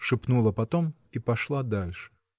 — шепнула потом и пошла дальше.